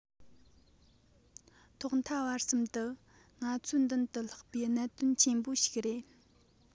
ཐོག མཐའ བར གསུམ དུ ང ཚོའི མདུན དུ ལྷགས པའི གནད དོན ཆེན པོ ཞིག རེད